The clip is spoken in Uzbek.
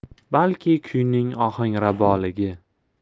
balki kuyning ohangraboligi